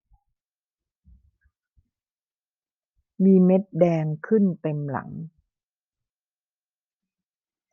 มีเม็ดแดงขึ้นเต็มหลัง